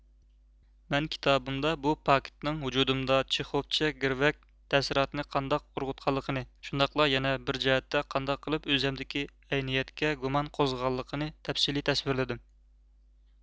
مەن كىتابىمدا بۇ پاكىتنىڭ ۋۇجۇدۇمدا چېخوفچە گىرۋەك تەسىراتىنى قانداق ئۇرغۇتقانلىقىنى شۇنداقلا يەنە بىر جەھەتتە قانداق قىلىپ ئۆزۈمدىكى ئەينىيەتكە گۇمان قوزغىغانلىقىنى تەپسىلىي تەسۋىرلىدىم